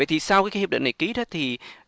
thì sau cái hiệp định này kí ấy thì